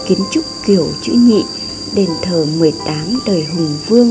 kiến trúc kiểu chữ nhị đền thờ đời hùng vương